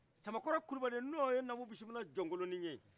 samakɔrɔ kulibali n'o ye naamu bisimila jɔnkolonnin ye